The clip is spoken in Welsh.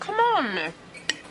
C'm on.